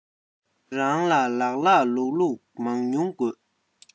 རང ལ ལགས ལགས ལུགས ལུགས མང ཉུང དགོས